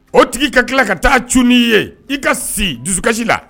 O tigi ka tila ka ta'a cun n'i ye i ka si dusukasi la